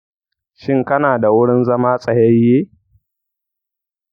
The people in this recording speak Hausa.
shin kana da wurin zama tsayayye?